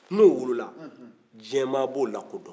n'o wolola diɲɛmaa b'o lakodɔn